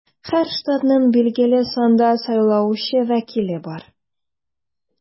Һәр штатның билгеле санда сайлаучы вәкиле бар.